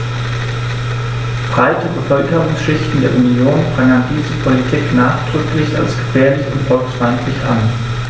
Breite Bevölkerungsschichten der Union prangern diese Politik nachdrücklich als gefährlich und volksfeindlich an.